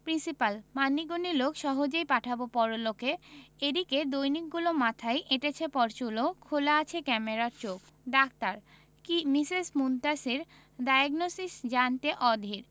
principal মান্যিগন্যি লোক সহজেই পাঠাবো পরলোকে এদিকে দৈনিকগুলো মাথায় এঁটেছে পরচুলো খোলা আছে ক্যামেরার চোখ ডাক্তার মিসেস মুনতাসীর ডায়োগনসিস জানতে অধীর